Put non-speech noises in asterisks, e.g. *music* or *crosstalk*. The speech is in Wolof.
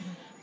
*hesitation* *hesitation*